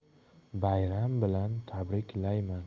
bayram bilan tabriklayman